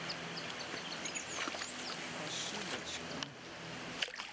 ошибочка